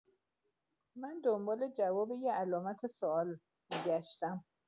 من دنبال جواب یه علامت سوال می‌گشتم.